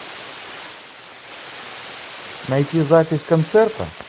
найти запись концерта